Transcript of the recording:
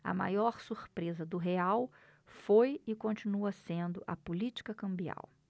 a maior surpresa do real foi e continua sendo a política cambial